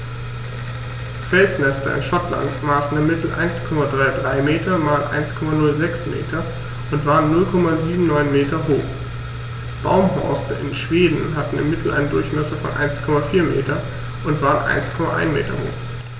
Felsnester in Schottland maßen im Mittel 1,33 m x 1,06 m und waren 0,79 m hoch, Baumhorste in Schweden hatten im Mittel einen Durchmesser von 1,4 m und waren 1,1 m hoch.